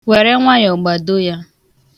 Were nwayọọ gbado ya.